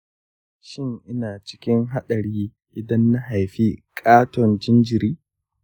shin ina cikin haɗari idan na haifi ƙaton jinjiri?